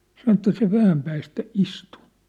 sanoi että se vähän päästä istui